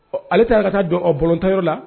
Ɔ ale kaan ka ta jɔ oɔ ballon tan yɔrɔ la